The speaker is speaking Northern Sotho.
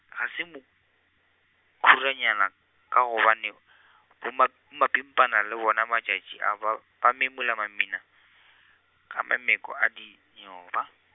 ga se mokhoranyana ka gobane , boma- mapimpana le bona matšatši a ba, ba minola mamina , ka mameko a dinyoba.